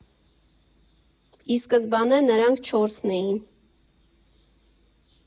Ի սկզբանե նրանք չորսն էին…